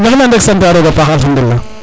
maxey men rek sant a roga paax alkhadoulila